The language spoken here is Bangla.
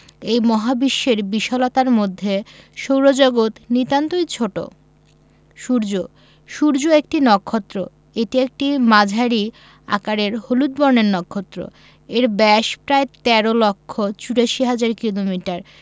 এই মহাবিশ্বের বিশালতার মধ্যে সৌরজগৎ নিতান্তই ছোট সূর্যঃ সূর্য একটি নক্ষত্র এটি একটি মাঝারি আকারের হলুদ বর্ণের নক্ষত্র এর ব্যাস প্রায় ১৩ লক্ষ ৮৪ হাজার কিলোমিটার